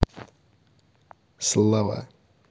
слава